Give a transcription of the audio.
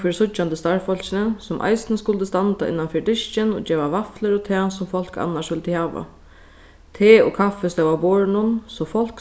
fyri síggjandi starvsfólkini sum eisini skuldu standa innan fyri diskin og geva vaflur og tað sum fólk annars vildu hava te og kaffi stóð á borðinum so fólk